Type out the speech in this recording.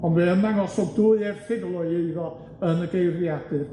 on' fe ymddangosodd dwy erthygl o'i eiddo yn y geiriadur